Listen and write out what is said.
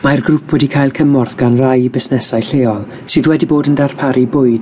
Mae'r grŵp wedi cael cymorth gan rai busnesau lleol sydd wedi bod yn darparu bwyd